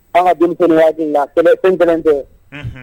Aw ka denmisɛnnin waati la sɛbɛ sen 1 tɛ